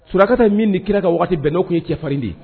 Surakakata min ni kira ka waati bɛn n' tun ye cɛfarin de ye